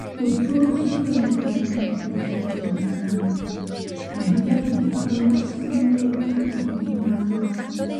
Wrth gwrs bod y meddiant yn effeithio'n bywyda ni, ma' hyd yn o'd y petha mwya' syml wedi mynd yn anodd,